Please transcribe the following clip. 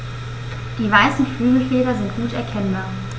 Die weißen Flügelfelder sind gut erkennbar.